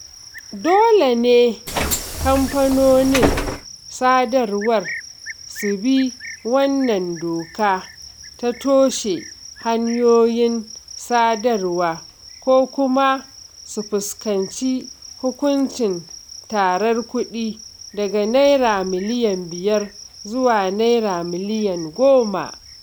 Dole ne kamfanonin sadarwar su bi wannan doka ta toshe hanyoyin sadarwa ko kuma su fuskanci hukuncin tarar kuɗi daga naira miliyan 5 zuwa naira miliyan 10